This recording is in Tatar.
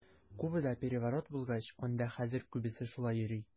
Кубада переворот булгач, анда хәзер күбесе шулай йөри.